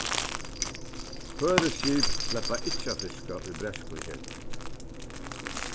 føroysk skip sleppa ikki at fiska í bretskum sjógvi